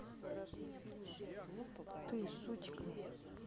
ты сучка